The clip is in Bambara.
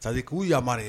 Tari k'u yamari ye